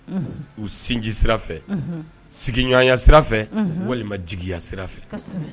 U sinji sira fɛ sigiɲɔgɔnya sira fɛ walima jigiya sira fɛ